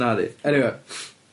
Nadi. Eniwe.